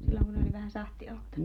silloin kun ne oli vähän sahtia ottanut